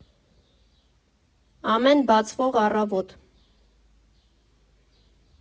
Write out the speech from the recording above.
Ամեն բացվող առավոտ։